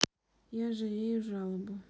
я жалею жалобу